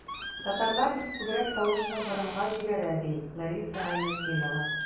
Татарлар бит күбрәк тавышны борынга җибәрә, ди Лариса Гайнетдинова.